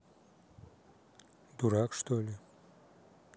дурак что ли